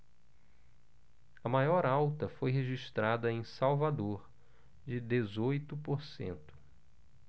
a maior alta foi registrada em salvador de dezoito por cento